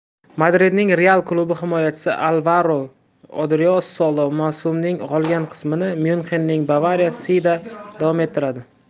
madridning real klubi himoyachisi alvaro odriosolo mavsumning qolgan qismini myunxenning bavariya sida davom ettiradi